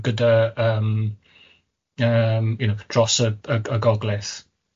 gyda yym, yym, you know, dros y y g- y g- y gogledd?